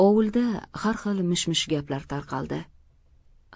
ovulda har xil mishmish gaplar tarqaldi